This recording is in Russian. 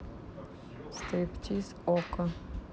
стриптиз okko